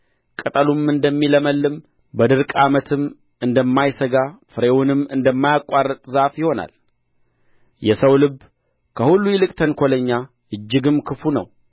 ቅጠሉም እንደሚለመልም በድርቅ ዓመትም እንደማይሠጋ ፍሬውንም እንደማያቋርጥ ዛፍ ይሆናል የሰው ልብ ከሁሉ ይልቅ ተንኰለኛ እጅግም ክፉ ነው